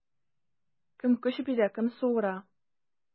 Кем көч бирә, кем суыра.